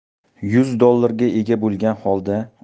yuz dollarga ega bo'lgan